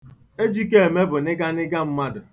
Ejikeme bụ nịganịga mmadụ.